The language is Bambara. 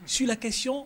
Sulakɛ si